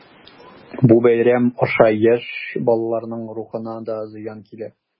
Бу бәйрәм аша яшь балаларның рухына да зыян килә.